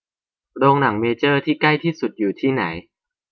โรงหนังเมเจอร์ที่ใกล้ที่สุดอยู่ที่ไหน